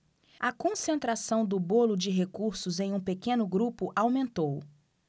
a concentração do bolo de recursos em um pequeno grupo aumentou